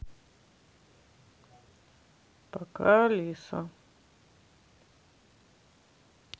пока алиса